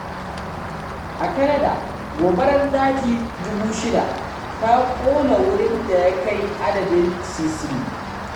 A Canada, gobarar daji 6,000 ta ƙone wurin da ya kai adadin Sicily.